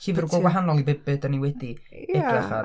Llyfr go wahanol i be be dan ni wedi edrych ar.